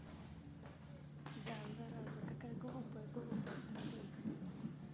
да зараза какая глупая глупая эта хрень